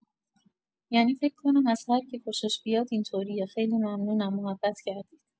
یعنی فکر کنم از هرکی خوشش بیاد اینطوریه خیلی ممنونم محبت کردید